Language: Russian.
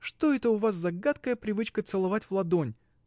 — Что это у вас за гадкая привычка целовать в ладонь?